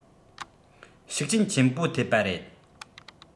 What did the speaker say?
ཤུགས རྐྱེན ཆེན པོ ཐེབས པ རེད